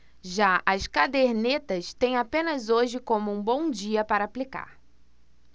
já as cadernetas têm apenas hoje como um bom dia para aplicar